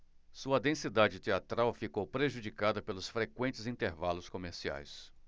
sua densidade teatral ficou prejudicada pelos frequentes intervalos comerciais